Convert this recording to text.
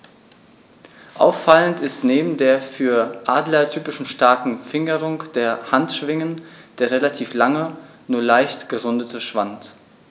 Auffallend ist neben der für Adler typischen starken Fingerung der Handschwingen der relativ lange, nur leicht gerundete Schwanz.